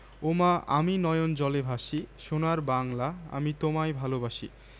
ওমা অঘ্রানে তোর ভরা ক্ষেতে কী দেখসি আমি কী দেখেছি মধুর হাসি সোনার বাংলা আমি তোমায় ভালোবাসি কী শোভা কী ছায়া গো কী স্নেহ কী মায়া গো